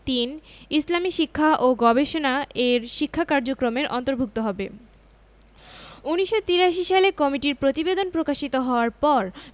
৩. ইসলামী শিক্ষা ও গবেষণা এর শিক্ষা কার্যক্রমের অন্তর্ভুক্ত হবে ১৯১৩ সালে কমিটির প্রতিবেদন প্রকাশিত হওয়ার পর